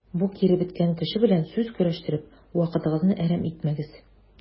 Бу киребеткән кеше белән сүз көрәштереп вакытыгызны әрәм итмәгез.